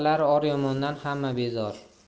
yomondan hamma bezor